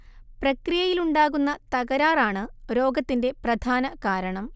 പ്രക്രിയയിലുണ്ടാകുന്ന തകരാർ ആണ് രോഗത്തിന്റെ പ്രധാനകാരണം